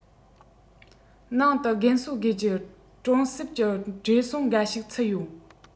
ནང དུ རྒན གསོ དགོས ཀྱི གྲོང གསེབ ཀྱི བགྲེས སོང འགའ ཞིག ཚུད ཡོད